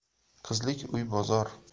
qizlik uy bozor